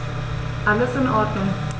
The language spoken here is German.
Alles in Ordnung.